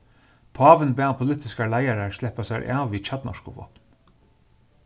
pávin bað politiskar leiðarar sleppa sær av við kjarnorkuvápn